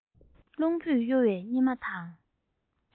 རླུང བུས གཡོ བའི སྙེ མ དང